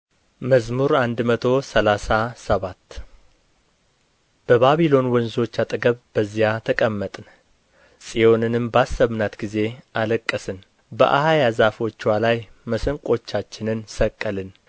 መዝሙር መቶ ሰላሳ ሰባት በባቢሎን ወንዞች አጠገብ በዚያ ተቀመጥን ጽዮንንም ባሰብናት ጊዜ አለቀስን በአኻያ ዛፎችዋ ላይ መሰንቆቻችንን ሰቀልን